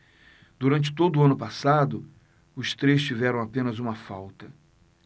durante todo o ano passado os três tiveram apenas uma falta